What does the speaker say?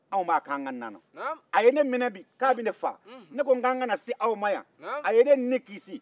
anw b'a k'an ka nana a ye ne minɛ bi ka bɛ n ne faa ne ko k'an na s'aw ma yan a ye ne ni kisi